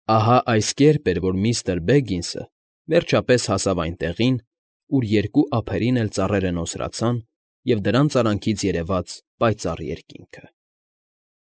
Ահա այս կերպ էր, որ միստր Բեգինսը, վերջապես, հասավ այն տեղին, ուր երկու ափերին էլ ծառերը նոսրացան և դրանց արանքից երևաց պայծառ երկինքը։